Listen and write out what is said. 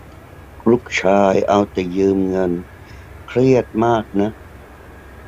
ลูกชายเอาแต่ยืมเงินเครียดมากนะ